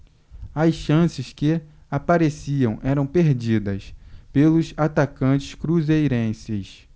as chances que apareciam eram perdidas pelos atacantes cruzeirenses